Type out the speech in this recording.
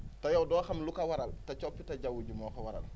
te yow doo xam lu ko waral te coppite jaww ji moo ko waral